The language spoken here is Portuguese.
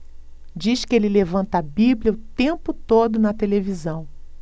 diz que ele levanta a bíblia o tempo todo na televisão